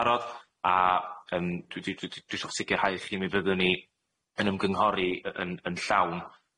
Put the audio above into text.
barod a yym dwi dwi dwi dwi sho sicirhau chi mi fyddwn ni yn ymgynghori y- yn yn llawn.